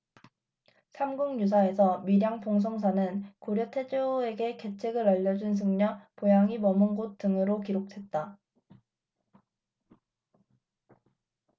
삼국유사에서 밀양 봉성사는 고려 태조에게 계책을 알려준 승려 보양이 머문 곳 등으로 기록됐다